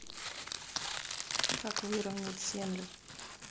как выровнять землю